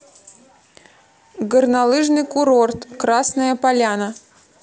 горнолыжный курорт красная поляна